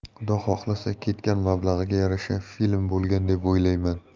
xudo xohlasa ketgan mablag'iga yarasha film bo'lgan deb o'ylayman